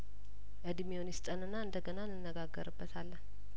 እድሜውን ይስጠንና እንደገና እንነጋገር በታለን